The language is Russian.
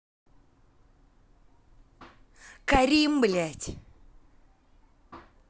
карим блядь